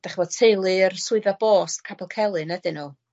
dach ch'mod teulu yr swyddfa bost Capel Celyn ydyn nw.